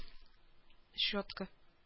Щетка